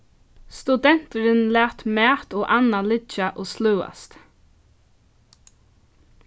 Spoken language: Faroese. studenturin læt mat og annað liggja og sløðast